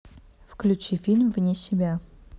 включи фильм вне себя